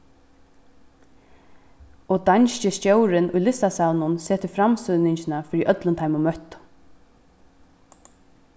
og danski stjórin í listasavninum setir framsýningina fyri øllum teimum møttu